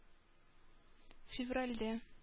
Февральдә